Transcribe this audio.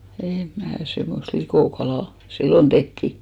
en minä semmoista likokalaa silloin tehtiin